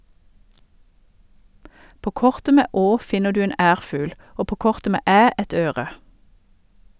På kortet med Å, finner du en ærfugl, og på kortet med Æ et øre.